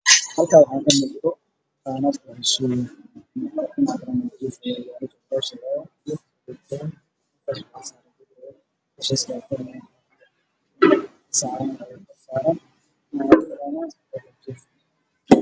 Meeshaan waxaa ka muuqata qaaradda midabkii uu yahay madow iyo cadays na leedahay muraayad weyn ku dhex jirto qol